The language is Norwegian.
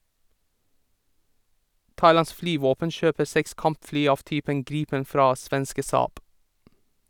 Thailands flyvåpen kjøper seks kampfly av typen Gripen fra svenske Saab.